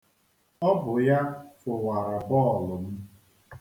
Ọ bụ ya fụwara bọọlụ m.